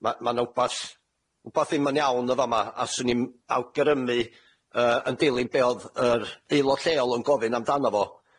Ma' ma' 'na wbath wbath ddim yn iawn yn fa'ma, a swn i'n awgrymu yy yn dilyn be' o'dd yr aelod lleol yn gofyn amdano fo,